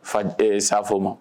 Fa safo ma